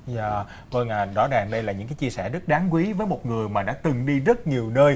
giờ vâng à rõ ràng đây là những kí chia sẻ rất đáng quý với một người mà đã từng đi rất nhiều nơi